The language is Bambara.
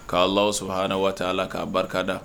K'asɔhaɛ waati la k'a barikada